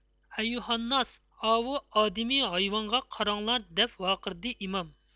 ئەييۇھەنناس ئاۋۇ ئادىمىي ھايۋانغا قاراڭلار دەپ ۋارقىرىدى ئىمام